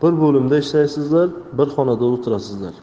bir bo'limda ishlaysizlar bir xonada o'tirasizlar